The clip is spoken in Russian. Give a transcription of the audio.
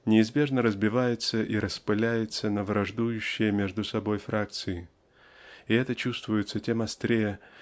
неизбежно разбивается и распыляется на враждующие между собою фракции и это чувствуется тем острее